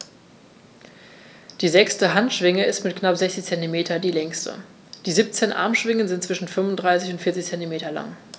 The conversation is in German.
Die sechste Handschwinge ist mit knapp 60 cm die längste. Die 17 Armschwingen sind zwischen 35 und 40 cm lang.